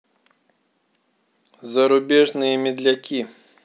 зарубежные медляки